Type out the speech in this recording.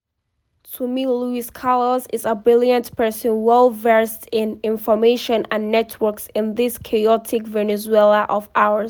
To me, Luis Carlos is a brilliant person, well versed in information and networks in this chaotic Venezuela of ours.